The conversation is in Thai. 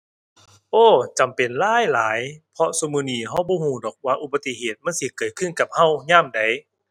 โอ้ จำเป็นหลายหลายเพราะซุมื้อนี้เราบ่เราดอกว่าอุบัติเหตุมันสิเกิดขึ้นกับเรายามใด